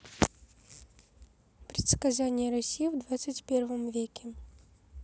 предсказание россии в двадцать первом веке